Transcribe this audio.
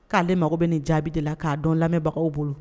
Kale mago bɛ nin jaabi de la ka dɔn lamɛnbagaw bolo.